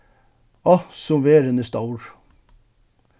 á sum verðin er stór